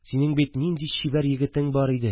Синең бит нинди чибәр егетең бар иде